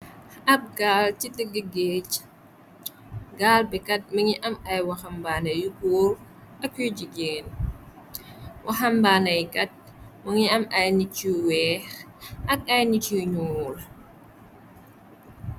ab gaal ci tëgg géej gaal bi kat ma ngi am ay waxambaana yu kóur ak yuy jigeen waxambaanay kat ma ngi am ay nit yu weex ak ay nit yu ñuul